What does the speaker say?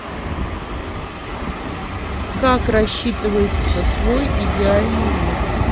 как рассчитывается свой идеальный вес